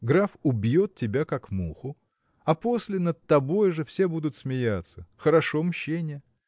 Граф убьет тебя, как муху, а после над тобой же все будут смеяться хорошо мщение!